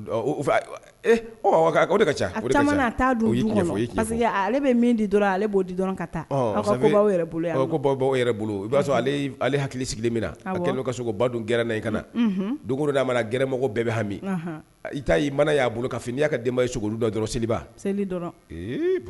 Ca ale bɛ di dɔrɔn ale' ka taa bolo kobaw bolo i b'a sɔrɔ hakili sigilen min na bɛ ka sogo ko ba dun gna ka na dugu d'a mana gɛrɛmɔgɔ bɛɛ bɛ hami i t taa'i mana y'a bolo ka fini n y'a ka den ye sogo dɔ dɔrɔn seliba seli